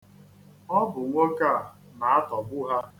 Ọ bụ nwoke a na-atọgbu ha.